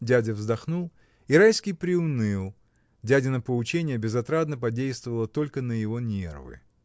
Дядя вздохнул, и Райский приуныл: дядино поученье безотрадно подействовало только на его нервы.